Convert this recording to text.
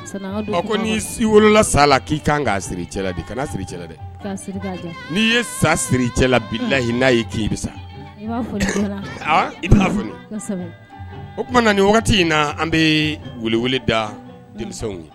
Ni wolola sa la k'i kan' siri cɛ la kana siri dɛ n'i ye sa siri cɛ la bi n'a ye k' bi sa i b'a f o tuma na wagati in na an bɛ welew da denmisɛn